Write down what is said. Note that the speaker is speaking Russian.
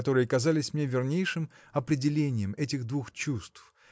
которые казались мне вернейшим определением этих двух чувств